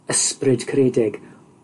ysbryd caredig,